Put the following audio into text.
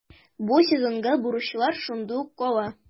Бу сезонга бурычлар шундый ук кала.